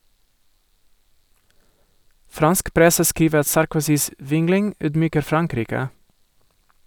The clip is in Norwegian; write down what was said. Fransk presse skriver at Sarkozys vingling ydmyker Frankrike.